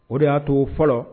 O de y'a to fɔlɔ